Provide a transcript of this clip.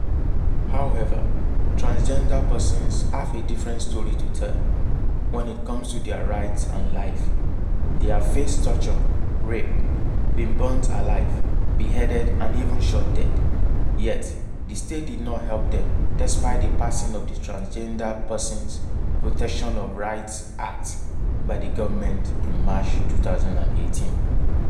However, Transgender persons have a different story to tell when it comes to their rights and life; they have faced torture, rape, been burnt alive, beheaded and even shot dead, yet the state did not help them despite the passing of the Transgender Persons (Protection of Rights) Act by the Government in March 2018.